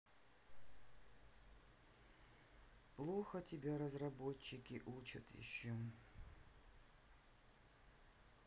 плохо тебя разработчики учат еще